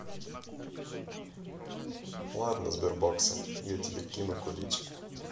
ладно сбербокса я тебя кину куличь